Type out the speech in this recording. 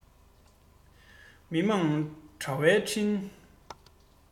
མི དམངས དྲ བའི འཕྲིན